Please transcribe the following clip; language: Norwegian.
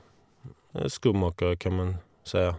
En skomaker, kan man si.